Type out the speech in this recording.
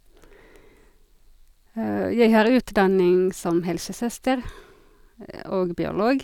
Jeg har utdanning som helsesøster og biolog.